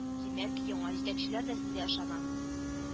Димәк, яңа җитәкчеләр дә сезгә ышана